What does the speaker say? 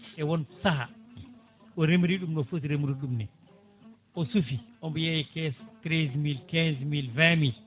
e won saaha o remri ɗum no footi remrude ɗum ni o suufi omo yeeya caisse treize mille quinze mille vingt mille